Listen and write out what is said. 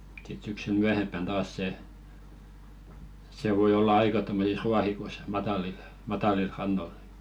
sitten syksyllä myöhempään taas se se voi olla aika tuommoisissa ruohikoissa matalilla matalilla rannoilla